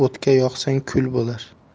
o'tga yoqsang kul bo'lar